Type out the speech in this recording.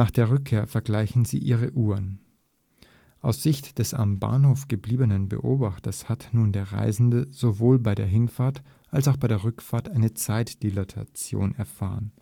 der Rückkehr vergleichen sie ihre Uhren. Aus Sicht des am Bahnhof gebliebenen Beobachters hat nun der Reisende sowohl bei der Hinfahrt als auch bei der Rückfahrt eine Zeitdilatation erfahren